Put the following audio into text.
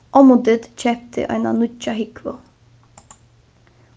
ommudidd keypti eina nýggja húgvu